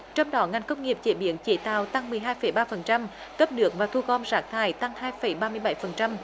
trong đó ngành công nghiệp chế biến chế tạo tăng mười hai phẩy ba phần trăm cấp nước và thu gom rác thải tăng hai phẩy ba mươi bảy phần trăm